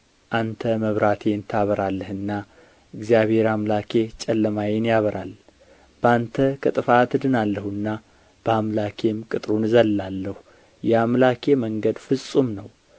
አንተ መብራቴን ታበራለህና እግዚአብሔር አምላኬ ጨለማዬን ያበራል በአንተ ከጥፋት እድናለሁና በአምላኬም ቅጥሩን እዘልላለሁ የአምላኬ መንገድ ፍጹም ነው